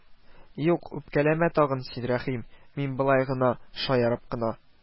Юк, үпкәләмә тагын син, Рәхим, мин болай гына, шаярып кына